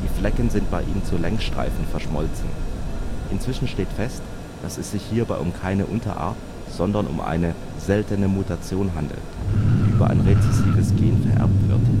Die Flecken sind bei ihm zu Längsstreifen verschmolzen. Inzwischen steht fest, dass es sich hierbei um keine Unterart, sondern um eine seltene Mutation handelt, die über ein rezessives Gen vererbt wird